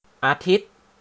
อาทิตย์